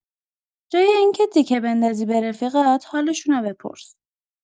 جای اینکه تیکه بندازی به رفیقات حالشونو بپرس!